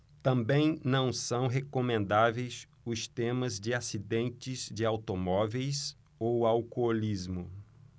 também não são recomendáveis os temas de acidentes de automóveis ou alcoolismo